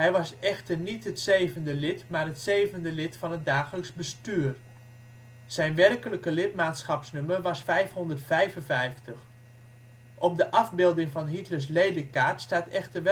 was echter niet het zevende lid, maar het zevende lid van het dagelijks bestuur. Zijn werkelijke lidmaatschapsnummer was 555. Op de afbeelding van Hitlers ledenkaart staat echter